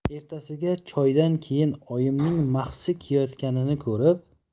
ertasiga choydan keyin oyimning mahsi kiyayotganini ko'rib